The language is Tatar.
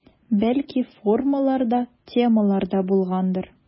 Бәлки формалар да, темалар да булгандыр.